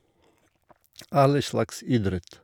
Alle slags idrett.